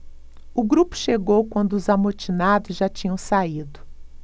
o grupo chegou quando os amotinados já tinham saído